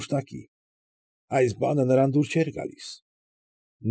Մուշտակի։ Այս բանը նրան դուր չէր գալիս։